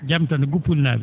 jaam tan no Guppuli naa?e